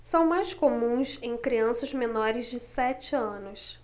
são mais comuns em crianças menores de sete anos